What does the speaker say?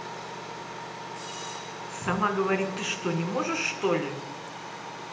сама говорит ты что не можешь что ли